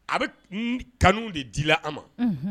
A bɛ kanu de di la a ma